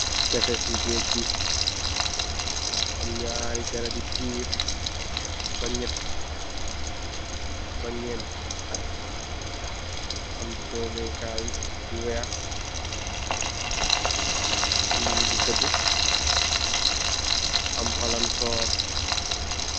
Tefes si geej bi, am nyaari garabi tiir, ba nyatte, ba nyeete, am toogekaay yu weex, fu ninyi di tadde, am palansor.